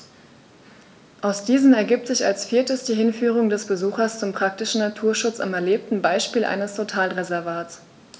Aus diesen ergibt sich als viertes die Hinführung des Besuchers zum praktischen Naturschutz am erlebten Beispiel eines Totalreservats.